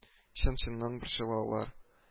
Чын-чыннан борчылалар